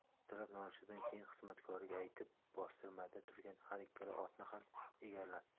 ertalab nonushtadan keyin xizmatkoriga aytib bostirmada turgan har ikkala otni ham egarlatdi